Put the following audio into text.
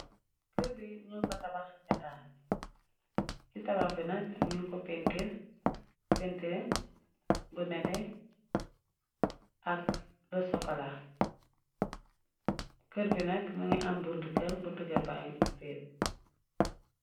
kër bi ñun ko tabax etaal ci tabax bi nak ñun ko pintir bu nete ak lu sokola kër bi nakk mëngi am buntu kër buntu kër bangi ab biir